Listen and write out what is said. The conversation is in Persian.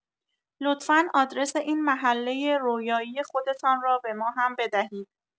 لطفا آدرس این محله رویایی خودتان را به ما هم بدهید.